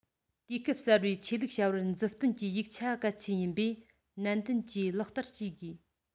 དུས སྐབས གསར བའི ཆོས ལུགས བྱ བར མཛུབ སྟོན གྱི ཡིག ཆ གལ ཆེན ཡིན པས ནན ཏན གྱིས ལག བསྟར བྱེད དགོས